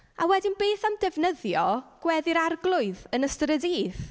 A wedyn, beth am defnyddio Gweddi'r Arglwydd yn ystod y dydd?